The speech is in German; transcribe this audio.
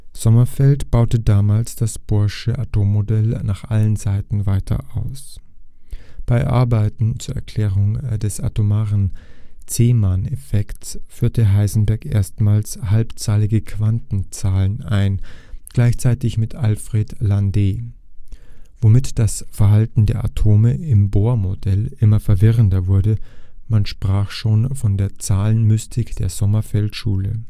Sommerfeld baute damals das Bohrsche Atommodell nach allen Seiten weiter aus. Bei Arbeiten zur Erklärung des anomalen Zeeman-Effekts führte Heisenberg erstmals halbzahlige Quantenzahlen ein (gleichzeitig mit Alfred Landé), womit das Verhalten der Atome im Bohr-Modell immer verwirrender wurde, man sprach schon von der „ Zahlenmystik “der Sommerfeld-Schule